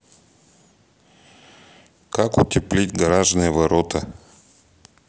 как утеплить гаражные ворота